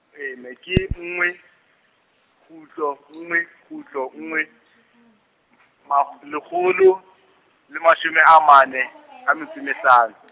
ee mme, ke nngwe, kgutlo nngwe kgutlo nngwe , makg-, lekgolo, le mashome a mane , a metso e mehlano .